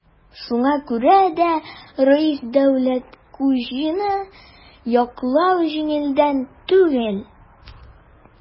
Шуңа күрә дә Рәис Дәүләткуҗинны яклау җиңелдән түгел.